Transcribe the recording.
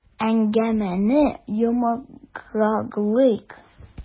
Әңгәмәне йомгаклыйк.